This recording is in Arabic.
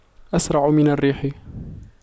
أسرع من الريح